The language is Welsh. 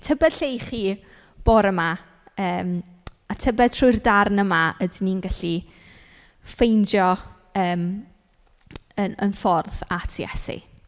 Tybed lle y' chi bore 'ma, yym a tybed trwy'r darn yma ydyn ni'n gallu ffeindio yym ein ein ffordd at Iesu.